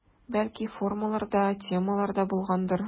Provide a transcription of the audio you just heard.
Бәлки формалар да, темалар да булгандыр.